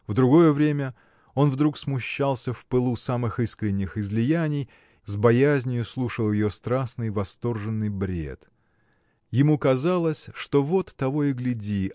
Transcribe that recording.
В другое время он вдруг смущался в пылу самых искренних излияний с боязнию слушал ее страстный восторженный бред. Ему казалось что вот того и гляди